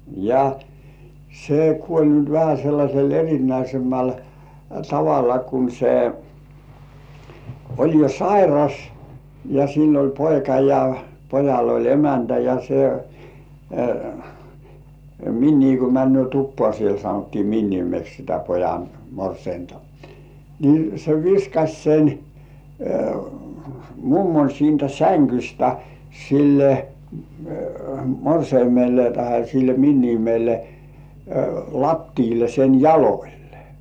ja se kuoli nyt vähän sellaisella erinäisemmällä tavalla kun se oli jo sairas ja sillä oli poika ja pojalla oli emäntä ja se miniä kun menee tupaan siellä sanottiin minimeksi sitä pojan morsianta niin se viskasi sen mummon siitä sängystä sille morsiamelle tai sille miniälle lattialle sen jaloille